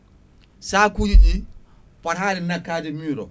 sakuji ɗi potani nakkade mur o